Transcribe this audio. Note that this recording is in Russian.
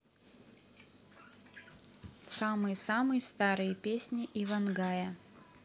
самые самые старые песни ивангая